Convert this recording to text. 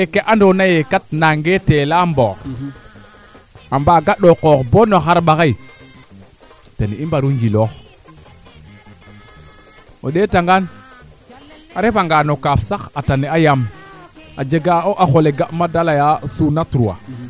ndeer mene foo xarmbeen ndik fo air naxiq te leyel 24 heures nu mbaa ñako mbog no zone fagaana so wo fo xoxof comprendre kiro o leyee o fola fool leye meteo xana demb xaye wala o ret jo; tin est ce que noñako comprendre ole meteo leyna aussi naange ata jafe jafe